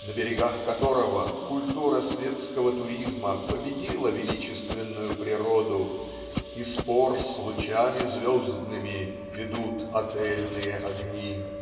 на берегах которого культура светского туризма победила величественную природу и "спор с лучами звездными ведут отельные огни".